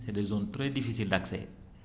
c' est des zones très difficiles d' accès